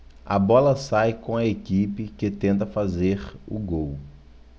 a bola sai com a equipe que tenta fazer o gol